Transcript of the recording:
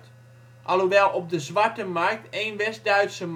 alhoewel op de zwarte markt één West-Duitse